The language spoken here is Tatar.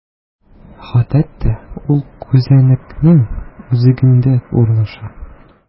Гадәттә, ул күзәнәкнең үзәгендә урнаша.